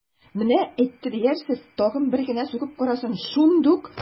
Менә әйтте диярсез, тагын бер генә сугып карасын, шундук...